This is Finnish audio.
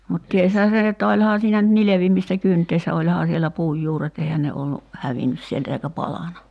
mutta tiesihän sen että olihan siinä nyt nilvimistä kyntäessä olihan siellä puun juuret eihän ne ollut hävinnyt sieltä eikä palanut